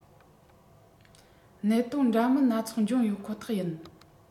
གནད དོན འདྲ མིན སྣ ཚོགས འབྱུང ཡོད ཁོ ཐག ཡིན